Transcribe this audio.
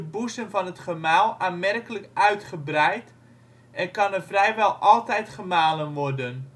boezem van het gemaal aanmerkelijk uitgebreid en kan er vrijwel altijd gemalen worden